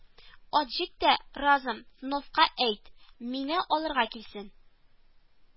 Ат җик тә Разм тновка әйт, мине алырга килсен